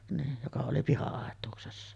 niin joka oli piha-aitauksessa